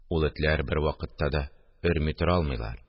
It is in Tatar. Ул этләр бервакытта да өрми тора алмыйлар